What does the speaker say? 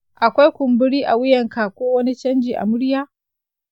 akwai kumburi a wuyanka ko wani canji a murya?